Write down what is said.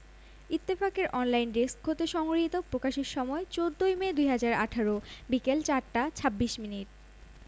কাছে গিয়ে বিষয়টি স্পষ্ট হলো ঈদকে কেন্দ্র করে বিভিন্ন ফ্যাশন হাউজ নিজেদের সজ্জিত করছে আর একটি ফ্যাশন হাউজের মডেল হিসেবে এফডিসি তে ফটোশ্যুটে অংশ নেন বিদ্যা সিনহা মীম